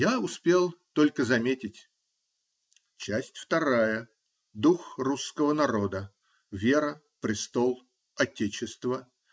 Я успел только заметить: "Часть вторая: Дух русского народа (вера, престол, отечество).